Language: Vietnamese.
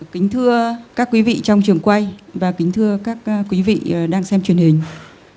kính thưa các quý vị trong trường quay và kính thưa các quý vị đang xem truyền hình